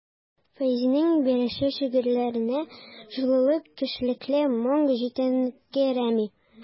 Фәйзинең берише шигырьләренә җылылык, кешелекле моң җитенкерәми.